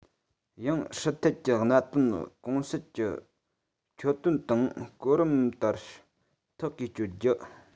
ཡང སྲིད ཐད ཀྱི གནད དོན ནི གོང གསལ གྱི ཆོད དོན དང གོ རིམ ལྟར ཐག གིས གཅོད རྒྱུ